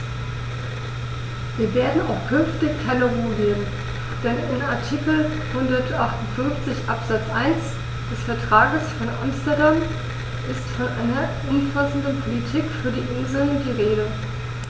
Wir werden auch künftig keine Ruhe geben, denn in Artikel 158 Absatz 1 des Vertrages von Amsterdam ist von einer umfassenden Politik für die Inseln die Rede.